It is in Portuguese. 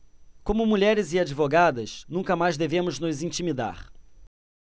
como mulheres e advogadas nunca mais devemos nos intimidar